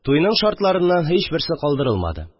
Туйның шартларыннан һичберсе калдырылмады